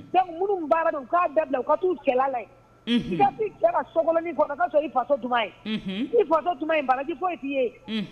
Dɔnku minnu u k'a dabila u ka taa u cɛla la ka cɛ ka sokolon ka sɔrɔ i fasotuma ye i fatotuma ye bakarijanji bɔ'i ye